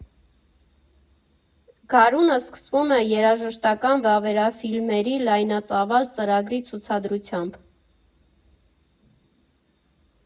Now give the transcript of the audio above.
Գարունը սկսվում է երաժշտական վավերաֆիլմերի լայնածավալ ծրագրի ցուցադրությամբ։